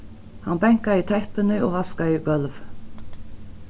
hann bankaði teppini og vaskaði gólvið